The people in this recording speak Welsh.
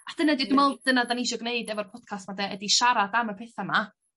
A dyna 'di dwi me'wl dyna 'dan ni isio gneud efo'r podcast 'ma 'de ydi siarad am y petha 'ma.